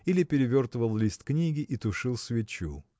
или перевертывал лист книги и тушил свечу.